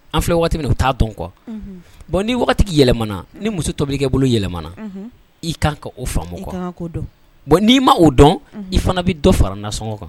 An filɛ waati minna u taa dɔn quoi, bon ni wagati yɛlɛma na ni muso tobili bolo yɛlɛmana i ka kan k' o faamu quoi, bon n'i ma o don i fana bɛ dɔ fara nasɔngɔ kan.